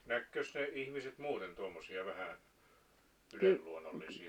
näkikös ne ihmiset muuten tuommoisia vähän yliluonnollisia